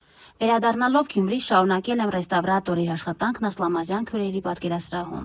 Վերադառնալով Գյումրի՝ շարունակել եմ ռեստավրատորի աշխատանքն Ասլամազյան քույրերի պատկերասրահում։